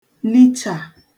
lichà